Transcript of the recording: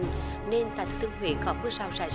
nên tận tương huế có mưa rào rải